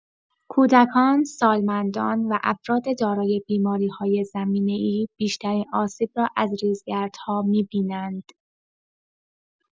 کودکان، سالمندان و افراد دارای بیماری‌های زمینه‌ای بیشترین آسیب را از ریزگردها می‌بینند.